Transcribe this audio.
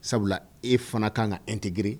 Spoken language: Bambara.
Sabula e fana kan ka integrer